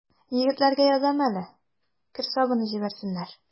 Егетләргә язам әле: кер сабыны җибәрсеннәр.